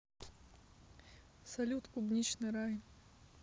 салют клубничный рай